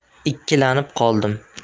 ikkilanib qoldim